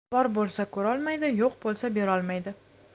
bor bo'lsa ko'rolmaydi yo'q bo'lsa berolmaydi